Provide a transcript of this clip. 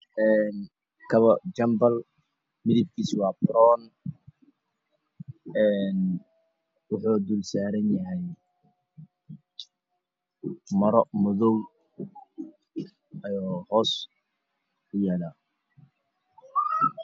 Kobo jabal ah kalr kode yahay qahwi waxey dulsarahin maro madow ah